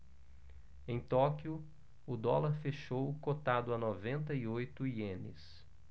em tóquio o dólar fechou cotado a noventa e oito ienes